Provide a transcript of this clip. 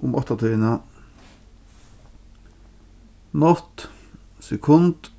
um áttatíðina nátt sekund